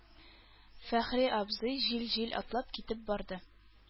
Фәхри абзый җил-җил атлап китеп барды.